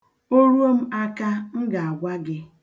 O ruo m aka, m ga-agwa gị.